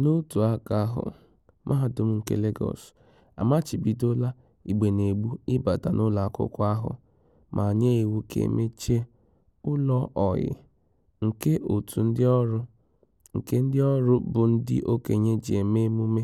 N'otu aka ahụ, Mahadum nke Lagọọsụ amachibidoola Igbenegbu ịbata n'ụlọakwụkwọ ahụ ma nye iwu ka e mechie "ụlọ oyi" nke òtù ndị ọrụ, nke ndị ọrụ bụ ndị okenye ji eme emume